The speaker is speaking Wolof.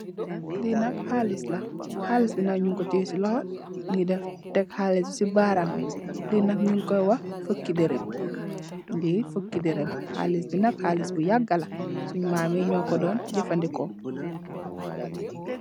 Li halis la , halis bi nak , nyung ko tae si loho , mungi def tek halis bi si baaraam bi , li nak nyungko wah fukki derem , li fukki derem halis bi nak halis bu yaaga la , sunge maami nyoko don jeaufeaundiko .